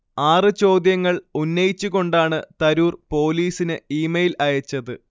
ആറ് ചോദ്യങ്ങൽ ഉന്നയിച്ച് കൊണ്ടാണ് തരൂർ പോലീസിന് ഇമെയ്ൽ അയച്ചത്